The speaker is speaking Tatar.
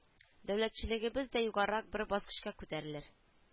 Дәүләтчелегебез дә югарырак бер баскычка күтәрелер